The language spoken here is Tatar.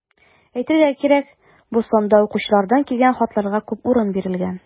Әйтергә кирәк, бу санда укучылардан килгән хатларга күп урын бирелгән.